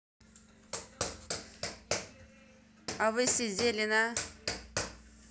а вы сидели на